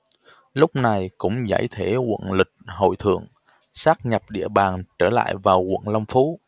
lúc này cũng giải thể quận lịch hội thượng sáp nhập địa bàn trở lại vào quận long phú